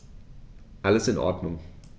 Alles in Ordnung.